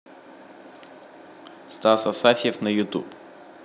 стас асафьев на ютуб